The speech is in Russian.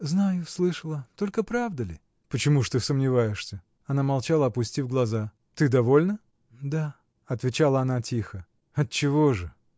— Знаю, слышала — только правда ли? — Почему ж ты сомневаешься? Она молчала, опустив глаза. — Ты довольна? — Да. — отвечала она тихо. — Отчего же?